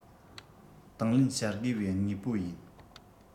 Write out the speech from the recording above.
དང ལེན བྱ དགོས པའི དངོས པོ ཡིན